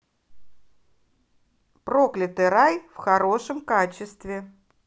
проклятый рай в хорошем качестве